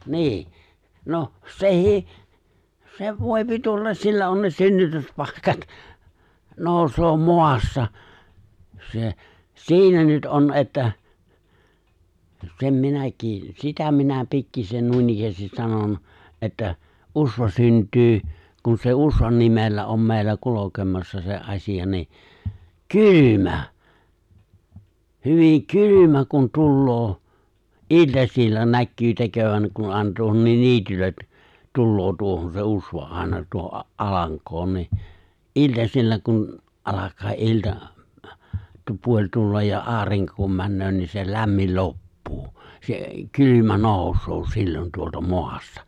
niin no sekin se voi tulla sillä on ne synnytyspaikat nousee maasta se siinä nyt on että sen minäkin sitä minä pikkuisen noinikään sanon että usva syntyy kun se usvan nimellä on meillä kulkemassa se asia niin kylmä hyvin kylmä kun tulee iltasilla näkyy tekevän kun on tuohonkin niityllä tulee tuohon se usva aina tuohon alankoon niin iltasilla kun alkaa ilta - puoli tulla ja aurinko kun menee niin se lämmin loppuu se kylmä nousee silloin tuolta maasta